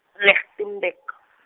Lichtenburg.